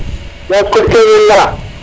ga kene im ne a